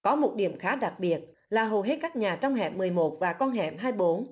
có một điểm khá đặc biệt là hầu hết các nhà trong hẻm mười một và con hẻm hai bốn